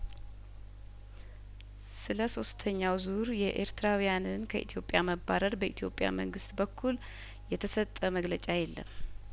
ስለሶስተኛው ዙር የኤርትራውያንን ከኢትዮጵያ መባረር በኢትዮጵያ መንግስት በኩል የተሰጠ መግለጫ የለም